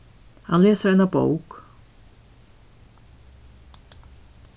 hann lesur eina bók